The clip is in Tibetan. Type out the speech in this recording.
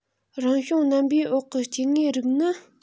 རང བྱུང རྣམ པའི འོག གི སྐྱེ དངོས རིགས ནི